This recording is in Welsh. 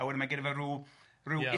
...a wedyn ma' gynno fo ryw ryw... Ia